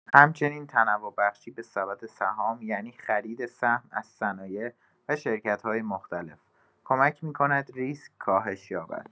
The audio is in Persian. همچنین تنوع‌بخشی به سبد سهام، یعنی خرید سهم از صنایع و شرکت‌های مختلف، کمک می‌کند ریسک کاهش یابد.